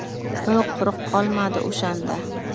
u quruq qolmadi o'shanda